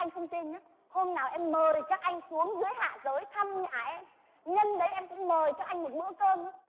anh không tin nhá hôm nào em mời các anh xuống dưới hạ giới thăm nhà em nhân đây em cũng mời các anh một bữa cơm nhá